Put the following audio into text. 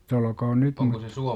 - olkoon nyt mutta